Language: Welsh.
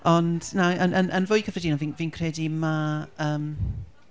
Ond na yn, yn, yn, yn fwy cyffredinol fi'n fi'n credu ma' yym...